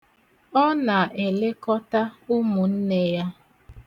Ọ na-elekọta umunne ya.